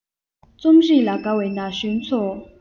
རྩོམ རིག ལ དགའ བའི ན གཞོན ཚོ